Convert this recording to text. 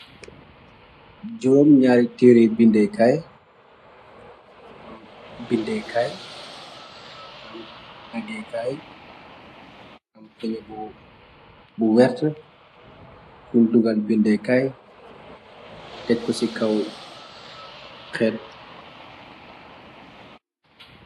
jooom naari tiri bindekaay am bindekaay am daggekaay am pen b bu wert fun dugal binde kaay tekku ci kaw xeet